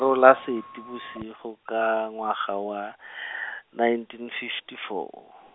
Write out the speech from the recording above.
-brola Seetebosigo, ka ngwaga wa , nineteen fifty four.